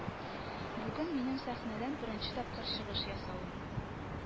Бүген минем сәхнәдән беренче тапкыр чыгыш ясавым.